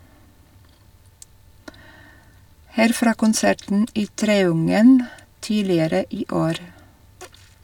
Her fra konserten i Treungen tidligere i år.